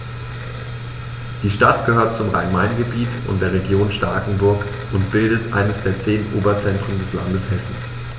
Die Stadt gehört zum Rhein-Main-Gebiet und der Region Starkenburg und bildet eines der zehn Oberzentren des Landes Hessen.